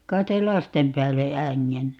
kai ei lasten päälle ängennyt